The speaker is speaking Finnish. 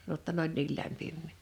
jotta ne oli niin lämpimiä